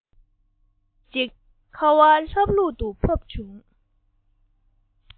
འཇིག རྟེན གྱིས ལན དུ ཁ བ ལྷབ ལྷུབ ཏུ ཕབ བྱུང